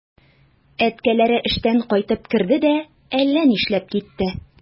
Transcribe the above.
Әткәләре эштән кайтып керде дә әллә нишләп китте.